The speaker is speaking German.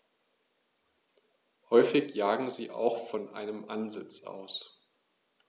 Häufig jagen sie auch von einem Ansitz aus.